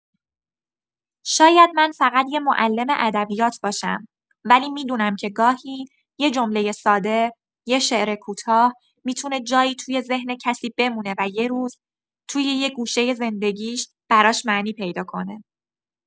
شاید من فقط یه معلم ادبیات باشم، ولی می‌دونم که گاهی، یه جملۀ ساده، یه شعر کوتاه، می‌تونه جایی توی ذهن کسی بمونه و یه روز، توی یه گوشۀ زندگی‌ش، براش معنی پیدا کنه.